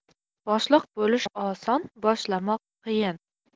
boshliq bo'lish oson boshlamoq qiyin